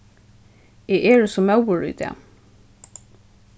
eg eri so móður í dag